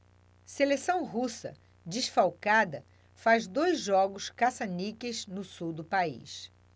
seleção russa desfalcada faz dois jogos caça-níqueis no sul do país